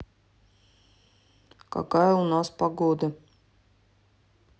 какая у нас погода